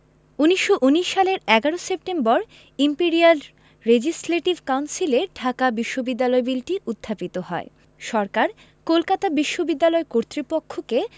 ১৯১৯ সালের ১১ September imperial legislative কাউন্সিলে ঢাকা বিশ্ববিদ্যালয় বিলটি উত্থাপিত হয় সরকার কলকাতা বিশ্ববিদ্যালয় কর্তৃপক্ষকে